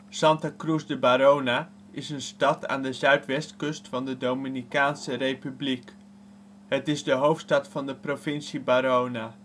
Santa Cruz de Barahona is een stad aan de zuidwestkust van de Dominicaanse Republiek. Het is de hoofdstad van de provincie Barahona